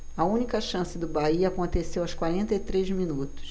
a única chance do bahia aconteceu aos quarenta e três minutos